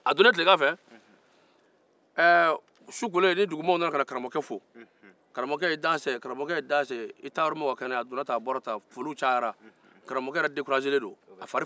su kolen mɔgɔw nana karamɔgɔkɛ fo k'i danse karamɔgɔkɛ yɛrɛ fari fagalen don